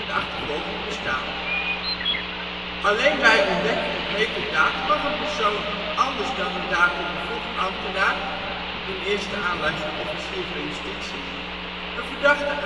achtervolging bestaan. Alleen bij ontdekking op heterdaad mag een persoon anders dan een daartoe bevoegd ambtenaar (in eerste aanleg een officier van justitie) een verdachte aanhouden